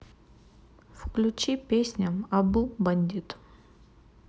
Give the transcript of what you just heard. включи песня абу бандит